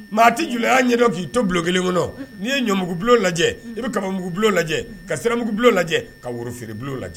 Maa tɛ juguyaya ɲɛ dɔ k'i to bulon kelen kɔnɔ n'i ye ɲɔmugu lajɛ i bɛ kabamugu lajɛ ka siramugu lajɛ ka woro siribu lajɛ